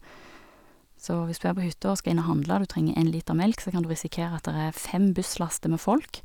Så hvis du er på hytta og skal inn og handle, og du trenger én liter melk, så kan du risikere at der er fem busslaster med folk.